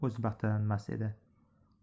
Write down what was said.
o'z baxtidan mast edi